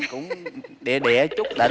cũng địa địa chút đỉnh